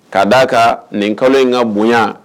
K ka d' a kan nin kalo in ka bonya